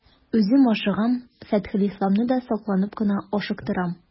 Үзем ашыгам, Фәтхелисламны да сакланып кына ашыктырам.